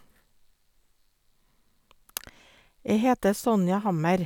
Jeg heter Sonja Hammer.